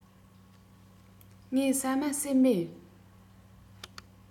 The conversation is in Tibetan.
ངས ཟ མ ཟོས མེད